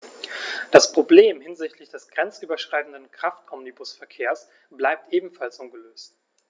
Das Problem hinsichtlich des grenzüberschreitenden Kraftomnibusverkehrs bleibt ebenfalls ungelöst.